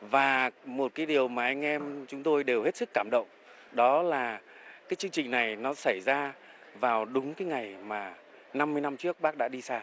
và một cái điều mà anh em chúng tôi đều hết sức cảm động đó là cái chương trình này nó xảy ra vào đúng cái ngày mà năm mươi năm trước bác đã đi xa